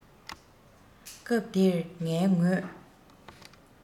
སྐབས དེར ངའི ངོས